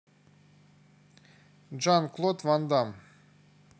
жан клод ван дам